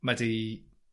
ma' 'di